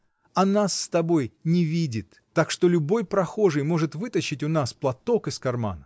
А нас с тобой и не видит, так что любой прохожий может вытащить у него платок из кармана.